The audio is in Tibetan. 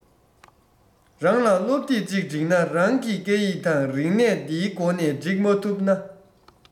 རང ལ སློབ དེབ ཅིག སྒྲིག ན རང གི སྐད ཡིག དང རིག གནས འདིའི སྒོ ནས སྒྲིག མ ཐུབ ན